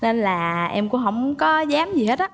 nên là em cũng hổng có dám gì hết á